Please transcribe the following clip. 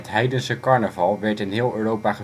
heidense ' carnaval werd in heel Europa